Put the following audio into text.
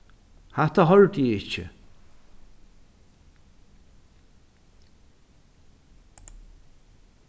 hatta hoyrdi eg ikki